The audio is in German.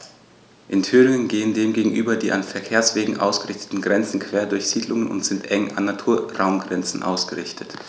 In Thüringen gehen dem gegenüber die an Verkehrswegen ausgerichteten Grenzen quer durch Siedlungen und sind eng an Naturraumgrenzen ausgerichtet.